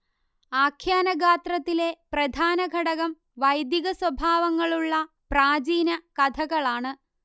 ആഖ്യാനഗാത്രത്തിലെ പ്രധാനഘടകം വൈദികസ്വഭാവങ്ങളുള്ള പ്രാചീനകഥകളാണ്